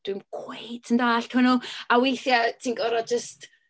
Dwi'm cweit yn dalld hwnnw. A weithiau ti'n gorfod jyst...